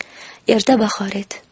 erta bahor edi